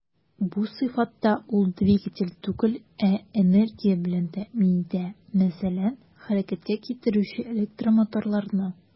Бу сыйфатта ул двигатель түгел, ә энергия белән тәэмин итә, мәсәлән, хәрәкәткә китерүче электромоторларны.